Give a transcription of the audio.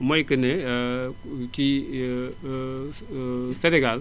mooy que ne kii Sénégal